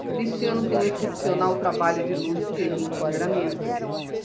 cristiano tem um excepcional trabalho de luz e enquadramento